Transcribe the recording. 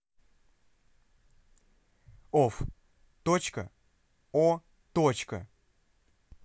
off точка о точка